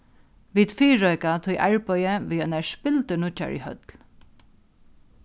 vit fyrireika tí arbeiðið við einari spildurnýggjari høll